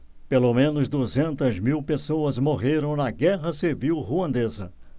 pelo menos duzentas mil pessoas morreram na guerra civil ruandesa